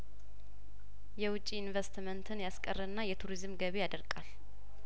የውጪ ኢንቬስትመንትን ያስቀርና የቱሪዝም ገቢ ያደርቃል